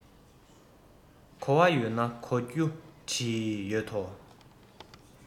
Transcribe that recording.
གོ བ ཡོད ན གོ རྒྱུ བྲིས ཡོད དོ